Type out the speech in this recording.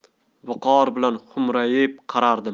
viqor bilan xo'mrayib qarardim